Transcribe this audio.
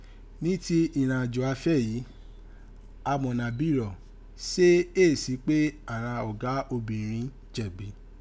Ni ti ìrẹ̀nàjò afẹ́ yìí, amọ̀nà bírọ̀: sé éè si pé àghan ọ̀gá obìnrẹn jẹ̀bi?